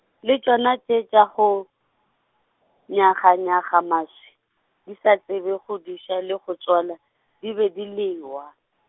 le tšona tše tša go, nyaganyaga maswi, di sa tsebe go duša le go tswala, di be di lewa.